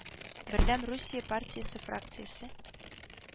Бердәм Русия партиясе фракциясе